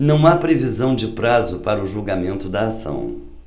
não há previsão de prazo para o julgamento da ação